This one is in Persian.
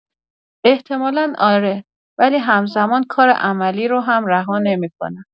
احتمالا آره، ولی هم‌زمان کار عملی رو هم رها نمی‌کنم.